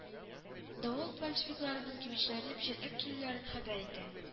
Давылт вольшевикларының кибетчеләрне печатьләп килүләрен хәбәр итә